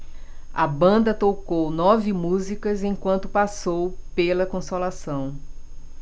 a banda tocou nove músicas enquanto passou pela consolação